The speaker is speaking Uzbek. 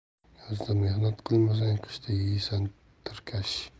yozda mehnat qilmasang qishda yeysan tirkish